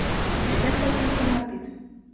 Көчләп кайтардылар бит.